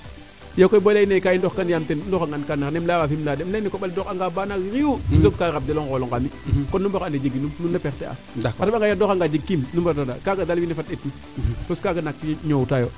iyo koy bo i leyna yee kaa i ndoxkan yaam ten ndoxa ngaan kaga im leya waa Fimela de im leyae koɓale dox anga baa na yiw im soog kele rab delo ngolo ngemi kon nu mbaro ande jeginum nuun na perdre aa a soɓa ngaaye a doxangaan jeg kiim parce que kaaga naake ñoowta yo